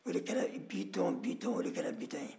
bi tɔn bi tɔn o de kɛra bitɔn ye